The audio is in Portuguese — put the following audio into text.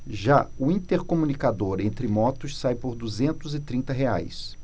já o intercomunicador entre motos sai por duzentos e trinta reais